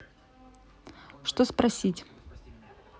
что спросить